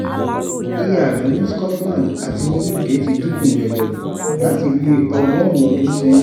Iye àdán ní Scotland àti ní Uk ti dínkù jọjọ láti bí ọgọ́rùn ún ọdún ṣẹ́yìn.